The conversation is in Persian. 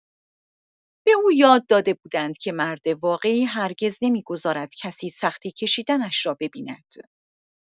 به او یاد داده بودند که مرد واقعی هرگز نمی‌گذارد کسی سختی کشیدنش را ببیند.